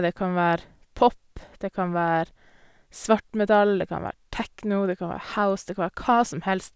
Det kan være pop, det kan være svartmetall, det kan være techno, det kan være house, det kan være hva som helst.